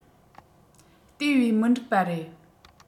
དེ བས མི འགྲིག པ རེད